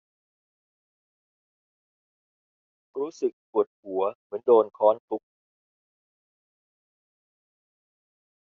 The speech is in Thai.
รู้สึกปวดหัวเหมือนโดนค้อนทุบ